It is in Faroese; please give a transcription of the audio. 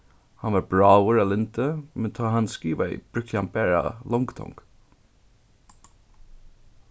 hann var bráður av lyndi men tá hann skrivaði brúkti hann bara longutong